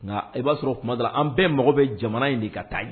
Nka i b'a sɔrɔ tuma dɔ la, an bɛɛ mako bɛ jamana in de ka taa ɲ